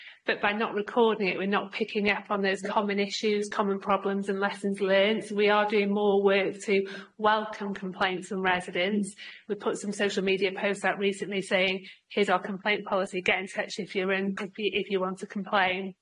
but by not recording it, we're not picking up on those common issues, common problems and lessons learned, so we are doing more work to welcome complaints from residents. We've put some social media posts out recently saying here's our complaint policy, get in touch if you're in if you want to complain